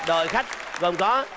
đội khách gồm có